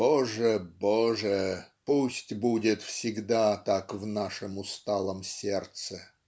Боже, Боже, пусть будет всегда так в нашем усталом сердце".